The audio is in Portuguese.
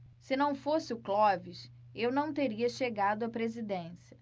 se não fosse o clóvis eu não teria chegado à presidência